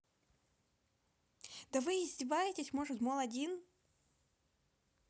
да вы издеваетесь может мол один